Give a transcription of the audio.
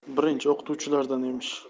birinchi o'qituvchilardan emish